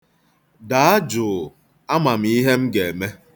Daa jụụ, ama m ihe m ga-eme.